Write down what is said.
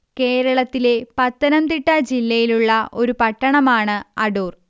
കേരള ത്തിലെ പത്തനംതിട്ട ജില്ലയിലുള്ള ഒരു പട്ടണമാണ് അടൂർ